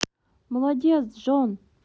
молодец джон